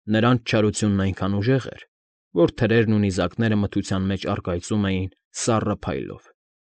Նրանց չարությունն այնքան ուժեղ էր, որ թրերն ու նիզակները մթության մեջ առկայծում էին սառը փայլով։